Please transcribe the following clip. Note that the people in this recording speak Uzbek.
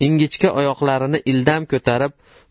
ingichka oyokdarini ildam ko'tarib